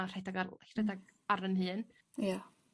a rhedag ar rhedag ar 'yn hun. Ia.